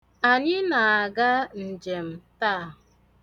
Anyị na-aga njem taa.